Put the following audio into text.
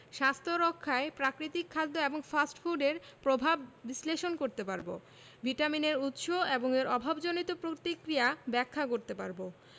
⦁ স্বাস্থ্য রক্ষায় প্রাকৃতিক খাদ্য এবং ফাস্ট ফুডের প্রভাব বিশ্লেষণ করতে পারব ⦁ ভিটামিনের উৎস এবং এর অভাবজনিত প্রতিক্রিয়া ব্যাখ্যা করতে পারব